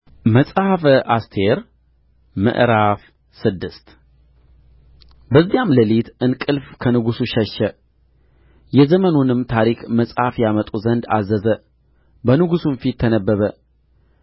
መጽሐፈ አስቴር ምዕራፍ ስድስት በዚያም ሌሊት እንቅልፍ ከንጉሡ ሸሸ የዘመኑንም ታሪክ መጽሐፍ ያመጡ ዘንድ አዘዘ በንጉሡም ፊት ተነበበ